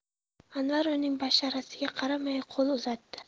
anvar uning basharasiga qaramay qo'l uzatdi